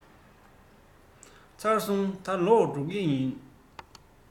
ཚར སོང ད ལོག འགྲོ མཁན ཡིན